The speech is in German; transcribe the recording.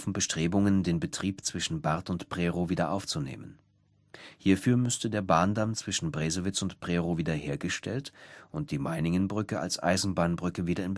Bestrebungen, den Betrieb zwischen Barth und Prerow wieder aufzunehmen. Hierfür müsste der Bahndamm zwischen Bresewitz und Prerow wiederhergestellt und die Meiningenbrücke als Eisenbahnbrücke wieder